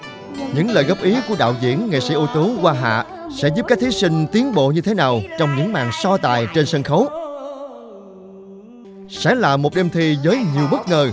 những lời góp ý của đạo diễn nghệ sĩ ưu tú quang hạ sẽ giúp các thí sinh tiến bộ như thế nào trong những màn so tài trên sân khấu sẽ là một đêm thi dới nhiều bất ngờ